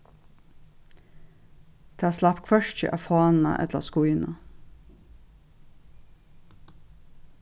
tað slapp hvørki at fána ella at skína